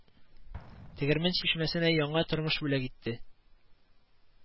Тегермән чишмәсенә яңа тормыш бүләк итте